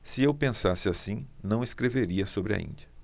se eu pensasse assim não escreveria sobre a índia